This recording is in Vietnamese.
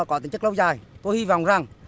có tính chất lâu dài tôi hy vọng rằng